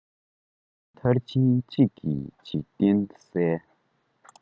བློ ངན ཤེས པ མང ན ཡང